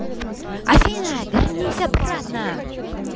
афина вернись обратно